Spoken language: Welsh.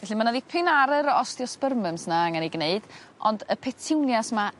Felly ma' 'na ddipyn ar yr osteospermums 'na angen 'i gneud ond y petunias 'ma